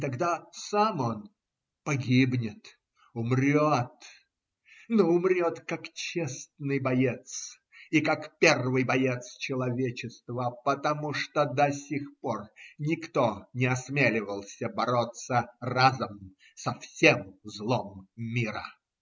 тогда сам он погибнет, умрет, но умрет как честный боец и как первый боец человечества, потому что до сих пор никто не осмеливался бороться разом со всем злом мира.